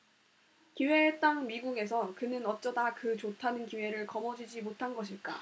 기회의 땅 미국에서 그는 어쩌다 그 좋다는 기회를 거머쥐지 못한 것일까